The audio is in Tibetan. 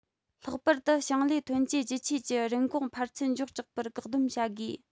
ལྷག པར དུ ཞིང ལས ཐོན སྐྱེད རྒྱུ ཆས ཀྱི རིན གོང འཕར ཚད མགྱོགས དྲགས པར བཀག སྡོམ བྱ དགོས